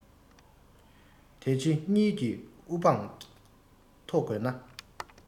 འདི ཕྱི གཉིས ཀྱི དབུ འཕངས མཐོ དགོས ན